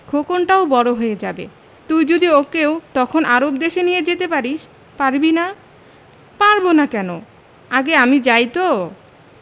খোকনটাও বড় হয়ে যাবে তুই যদি ওকেও তখন আরব দেশে নিয়ে যেতে পারিস পারবি না পারব না কেন আগে আমি যাই তো